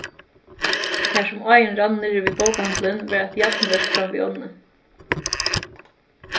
har sum áin rann niðri við bókahandilin var eitt jarnverk fram við ánni